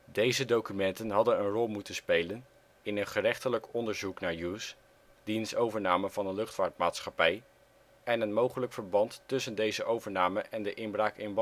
Deze documenten hadden een rol moeten spelen in een gerechtelijk onderzoek naar Hughes, diens overname van een luchtvaartmaatschappij en een mogelijk verband tussen deze overname en de inbraak in